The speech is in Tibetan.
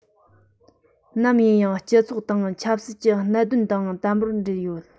ནམ ཡིན ཡང སྤྱི ཚོགས དང ཆབ སྲིད ཀྱི གནད དོན དང དམ པོར འབྲེལ ཡོད